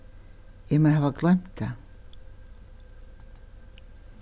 eg má hava gloymt tað